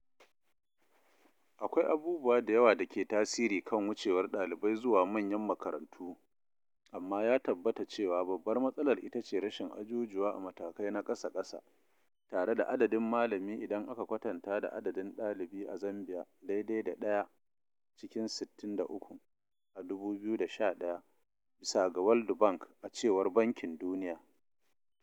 Akwai abubuwa da yawa da ke tasiri kan wucewar ɗalibai zuwa manyan makarantu, amma ya tabbata cewa babbar matsalar itace rashin ajujuwa a matakai na ƙasa-ƙasa, tare da adadain malami idan aka kwatanta da adadin ɗalibai a Zambiya daidai da 1:63 a 2011 bisa ga World Bank.a cewar Bankin Duniya.